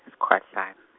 eSkhwahlande.